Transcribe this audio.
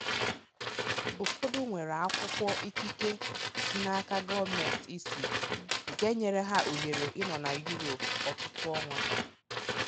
Ụfọdụ nwere akwụkwọ ikike si n'aka gọọmenti Italy nke nyere ha ohere ịnọ na Europe ọtụtụ ọnwa.